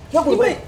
Cɛ kun